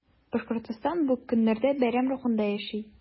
Башкортстан бу көннәрдә бәйрәм рухында яши.